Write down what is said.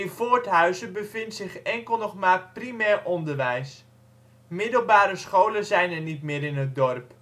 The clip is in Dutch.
Voorthuizen bevindt zich enkel nog maar primair onderwijs. Middelbare scholen zijn er niet meer in het dorp